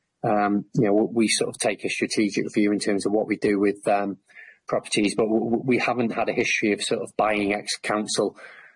erm you know, w- we sort of take a strategic view in terms of what we do with erm properties, but w- we haven't had a history of sort of buying ex-council